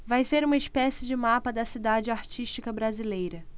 vai ser uma espécie de mapa da cidade artística brasileira